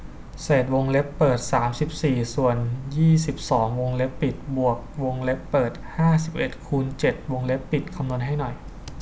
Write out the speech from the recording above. เศษวงเล็บเปิดสามสิบสี่ส่วนยี่สิบสองวงเล็บปิดบวกวงเล็บเปิดห้าสิบเอ็ดคูณเจ็ดวงเล็บปิดคำนวณให้หน่อย